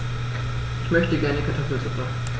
Ich möchte gerne Kartoffelsuppe.